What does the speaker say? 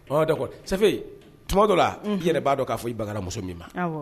Fe tuma dɔ la yɛrɛ b'a dɔn k'a fɔ i bakarijanramuso min ma